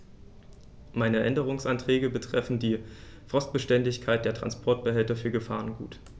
Meine Änderungsanträge betreffen die Frostbeständigkeit der Transportbehälter für Gefahrgut.